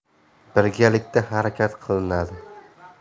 birgalikda harakat qilinadi